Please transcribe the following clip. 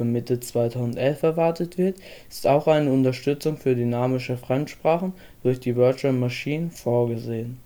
Mitte 2011 erwartet wird, ist auch eine Unterstützung für dynamische „ Fremdsprachen “durch die Virtual Machine vorgesehen